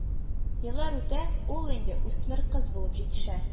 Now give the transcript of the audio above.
Еллар үтә, ул инде үсмер кыз булып җитешә